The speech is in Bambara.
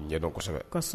N ɲɛ